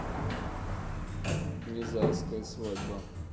назайская свадьба